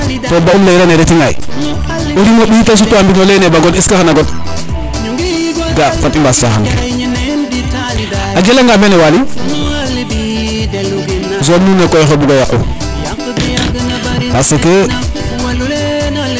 to bo um leyirane reti ŋaay o rim o mbiy te sutwa o ley ne ba god est ce que xana god gaa fat i mbas caxan ke a jela nga mene Waly zone nuun ne koy oxey bugo yaqu parce que